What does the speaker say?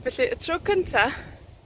Felly, y tro cynta,